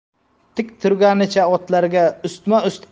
tik turganicha otlarga ustma ust